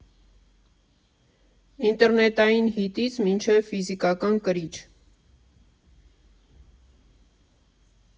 Ինտերնետային հիթից մինչև ֆիզիկական կրիչ։